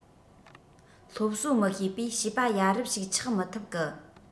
སློབ གསོ མི ཤེས པས བྱིས པ ཡ རབས ཞིག ཆགས མི ཐུབ གི